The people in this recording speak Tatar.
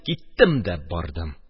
Киттем дә бардым.